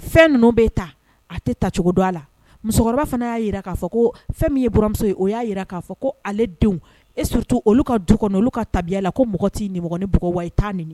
Fɛn ninnu bɛ ta a tɛ ta cogo don a la musokɔrɔba fana y'a jira k'a fɔ ko fɛn min yemuso ye o y'a jira k'a fɔ ko ale denw e to olu ka du kɔnɔ olu ka tabiya la ko mɔgɔ t tɛ nimɔgɔin bɔgɔ wa i taa nin